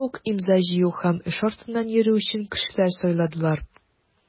Шунда ук имза җыю һәм эш артыннан йөрү өчен кешеләр сайладылар.